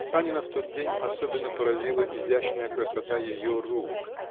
Санина в тот день особенно поразила изящная красота ее рук